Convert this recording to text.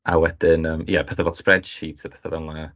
A wedyn yym ia, petha fel spreadsheets a petha fel 'na.